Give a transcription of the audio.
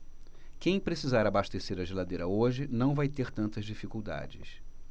quem precisar abastecer a geladeira hoje não vai ter tantas dificuldades